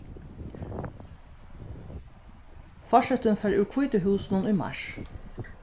forsetin fór úr hvítu húsunum í mars